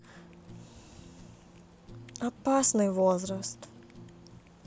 опасный возраст